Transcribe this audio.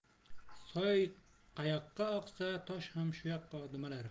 soy qayoqqa oqsa tosh ham shu yoqqa dumalar